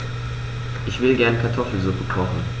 Ich will gerne Kartoffelsuppe kochen.